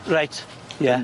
Reit ie.